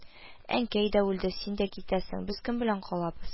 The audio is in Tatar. – әнкәй дә үлде, син дә китәсең, без кем белән калабыз